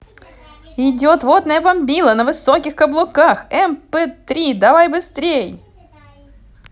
идет водная бомбила на высоких каблуках мп три давай быстрее